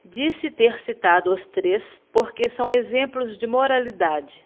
disse ter citado os três porque são exemplos de moralidade